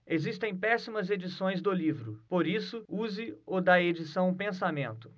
existem péssimas edições do livro por isso use o da edição pensamento